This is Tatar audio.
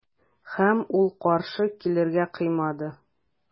Һәм ул каршы килергә кыймады.